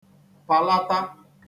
pàlata